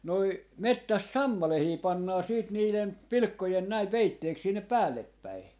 noin metsästä sammalia pannaan sitten niiden pilkkojen näin peitteeksi sinne päällepäin